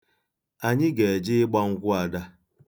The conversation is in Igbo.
Anyị ga-eje ịgba nkwụ Ada.